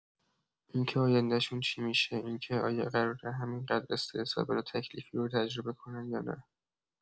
این که آینده‌شون چی می‌شه، این که آیا قراره همین‌قدر استرس و بلاتکلیفی رو تجربه کنن یا نه.